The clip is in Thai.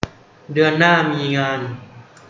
เดือนหน้ามีงาน